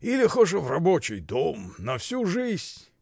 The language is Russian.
— Или хоша в рабочий дом — на всю жисть.